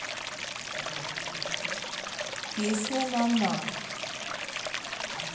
песня на на